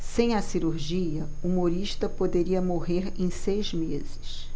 sem a cirurgia humorista poderia morrer em seis meses